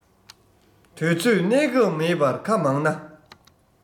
དུས ཚོད གནས སྐབས མེད པར ཁ མང ན